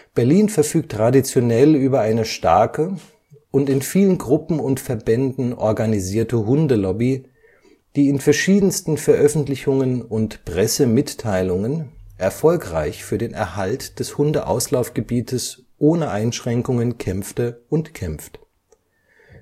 Berlin verfügt traditionell über eine starke und in vielen Gruppen und Verbänden organisierte Hundelobby, die in verschiedensten Veröffentlichungen und Pressemitteilungen erfolgreich für den Erhalt des Hundeauslaufgebietes ohne Einschränkungen kämpfte und kämpft. In